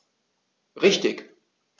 Richtig